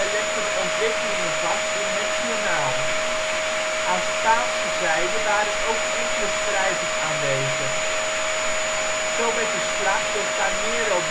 legde de ontwikkelingen vast in Het Journaal. Aan Spaanse zijde waren ook enkele schrijvers aanwezig. Zo werd de slag door Carnero